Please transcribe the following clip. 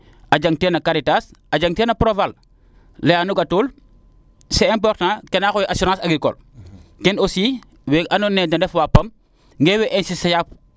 a jang teena Karitas a jang teen a provale leyaano xatoor c' est importance keena xooyel assurance agricole ten aussi we ando naye den ndef waa Pam ngewi insister a